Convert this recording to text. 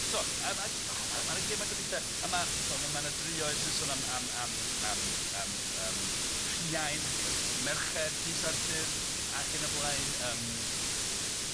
t'mo' a a jyst o ma' 'na ma' 'na gyment o bethe a ma' t'mo' ma' ma' 'na drioedd sy'n sôn am am am am yym yym rhiain hynny yw m- merched Llys Arthur. Ia. ac yn y blaen yym.